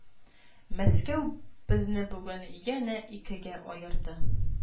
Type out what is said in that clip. Мәскәү безне бүген янә икегә аерды